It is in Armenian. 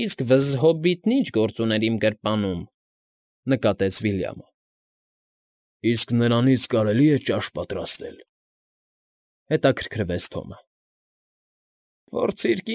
Իսկ վզզհոբիտն ի՞նչ գործ ուներ իմ գրպանում,֊ նկատեց Վիլյամը։ ֊ Իսկ նրանից կարելի՞ է ճաշ պատրաստել, ֊ հետաքրքրվեց Թոմը։ ֊ Փորձիր՝